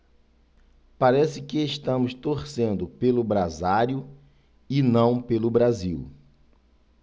parece que estamos torcendo pelo brasário e não pelo brasil